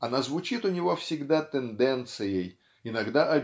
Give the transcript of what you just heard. она звучит у него всегда тенденцией иногда